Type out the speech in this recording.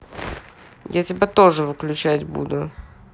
я тебя тоже выключать буду